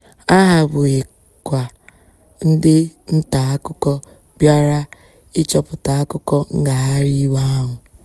A hapụghịkwa ndị nta akụkọ bịara ịchọpụta akụkọ ngagharị iwe ahụ.